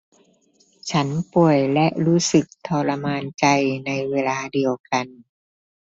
ฉันป่วยและรู้สึกทรมานใจในเวลาเดียวกัน